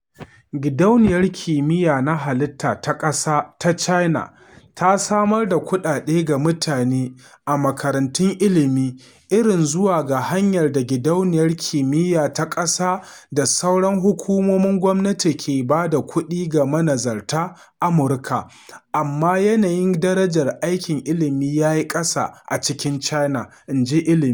Gidauniyar Kimiyya na Halitta ta Ƙasa ta China ta samar da kuɗaɗe ga mutane a makarantun ilmi irin zuwa ga hanyar da Gidauniyar Kimiyyar ta Ƙasa da sauran hukumomin gwamnati ke ba da kuɗi ga manazartan Amurka, amma yanayin darajar aikin ilmi ya yi ƙasa a cikin China, inji Lee.